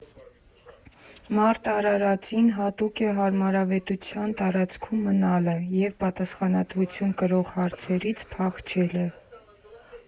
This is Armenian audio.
Մարդ արարածին հատուկ է հարմարավետության տարածքում մնալը, և պատասխանատվություն կրող հարցերից փախչելը։